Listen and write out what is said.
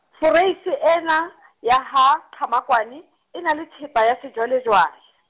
foreisi ena , ya ha Qhamakwane, e na le thepa ya sejwalejwale.